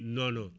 non non